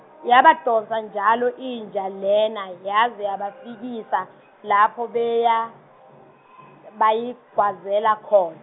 yabadonsa njalo inja lena yaze yabafikisa lapho beya bayigwazela khona.